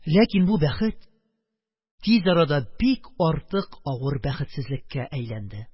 Ләкин бу бәхет тиз арада бик артык авыр бәхетсезлеккә әйләнде.